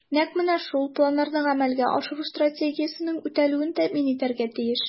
Нәкъ менә шул планнарны гамәлгә ашыру Стратегиянең үтәлүен тәэмин итәргә тиеш.